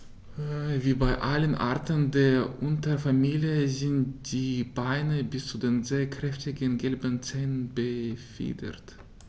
Wie bei allen Arten der Unterfamilie sind die Beine bis zu den sehr kräftigen gelben Zehen befiedert.